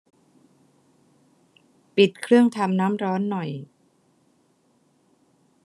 ปิดเครื่องทำร้อนหน่อย